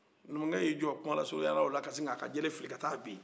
numucɛ y'i jɔ kumanlasurunya ola k'a ka bere fili ka taa bin